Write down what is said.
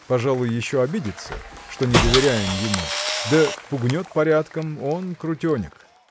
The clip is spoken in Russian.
пожалуй, еще обидится, что не доверяем ему, да пугнет порядком он крутенек.